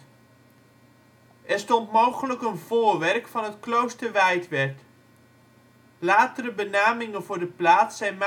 stond mogelijk een voorwerk van het Kloosterwijtwerd. Latere benamingen voor de plaats zijn